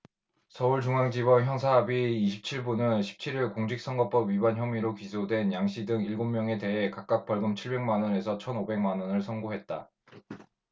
서울중앙지법 형사합의 이십 칠 부는 십 칠 일 공직선거법 위반 혐의로 기소된 양씨 등 일곱 명에 대해 각각 벌금 칠백 만 에서 천 오백 만원을 선고했다